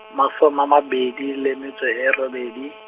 masoma a mabedi le metso e robedi.